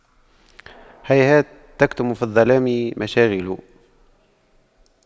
هيهات تكتم في الظلام مشاعل